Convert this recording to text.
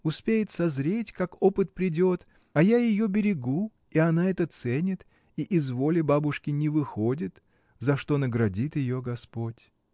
Успеет созреть, как опыт придет, а я ее берегу, и она это ценит и из воли бабушки не выходит, за что наградит ее Господь.